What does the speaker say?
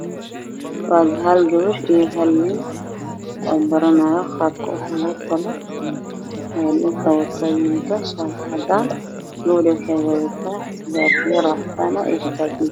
Waxaa gabar iyo wiil caafimaad baranaayo wiilka waxa uu wata racdaan gabadha waxay wadataa xijaab madow ah gudad ayaa ka dambeeyo